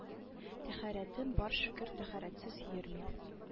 Тәһарәтем бар шөкер тәһарәтсез йөрмим